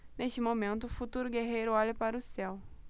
neste momento o futuro guerreiro olha para o céu